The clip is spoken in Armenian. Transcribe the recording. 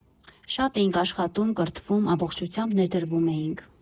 Շատ էինք աշխատում, կրթվում, ամբողջությամբ ներդրվում էինք։